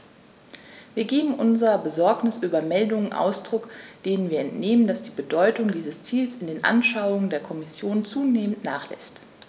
Wir geben unserer Besorgnis über Meldungen Ausdruck, denen wir entnehmen, dass die Bedeutung dieses Ziels in den Anschauungen der Kommission zunehmend nachlässt.